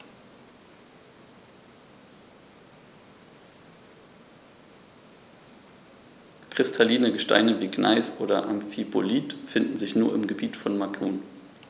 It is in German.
Kristalline Gesteine wie Gneis oder Amphibolit finden sich nur im Gebiet von Macun.